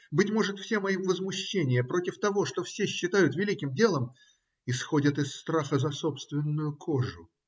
Быть может, все мои возмущения против того, что все считают великим делом, исходят из страха за собственную кожу?